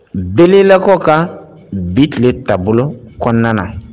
Delilakɔ kan bi tile taabolo kɔnɔna na